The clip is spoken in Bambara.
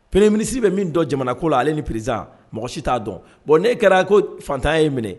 premier ministre bɛ min don jamana ko la ale ni président mɔgɔ si t'a dɔn bon ne kɛra ko fantanya ye minɛ